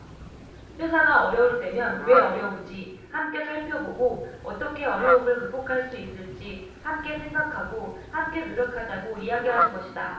회사가 어려울 때면 왜 어려운지 함께 살펴보고 어떻게 어려움을 극복할 수 있을지 함께 생각하고 함께 노력하자고 이야기하는 것이다